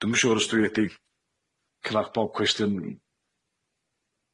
Dwi'm yn siŵr os dwi wedi cyrra bob cwestiwn?